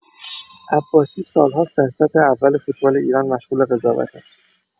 عباسی سال‌هاست در سطح اول فوتبال ایران مشغول قضاوت است.